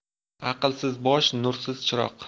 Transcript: aqlsiz bosh nursiz chiroq